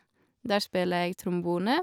Der spiller jeg trombone.